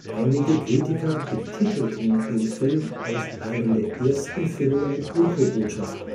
Einige Kritiker betitelten den Film als einen der ersten Filme mit Öko-Botschaft